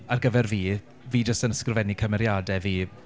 Ar gyfer fi, fi jyst yn ysgrifennu cymeriadau fi.